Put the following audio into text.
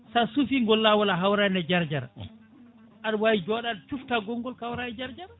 sa suufi ngol lawol a hawrani e jaara jaara aɗa wawi joɗade sufta gongol kawra e jarajara